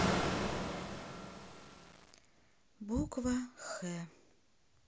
буква х